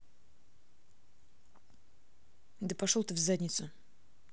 да пошел ты в задницу